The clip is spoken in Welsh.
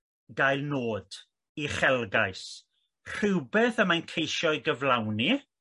gael nod uchelgais rhywbeth y mae'n ceisio ei gyflawni.